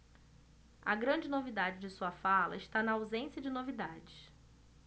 a grande novidade de sua fala está na ausência de novidades